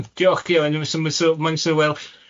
Diolch s- m- so mae'n so, wel